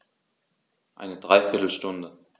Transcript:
Eine dreiviertel Stunde